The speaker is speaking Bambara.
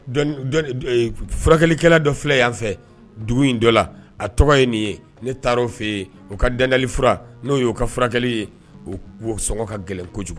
Furakɛlikɛla dɔ filɛ yan fɛ dugu in dɔ la a tɔgɔ ye nin ye ne taara' fɛ yen u ka danlif fura n'o y'o ka furakɛli ye' sɔngɔ ka gɛlɛnko kojugu